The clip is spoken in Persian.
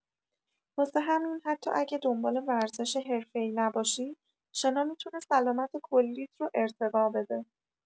واسه همین حتی اگه دنبال ورزش حرفه‌ای نباشی، شنا می‌تونه سلامت کلیت رو ارتقا بده.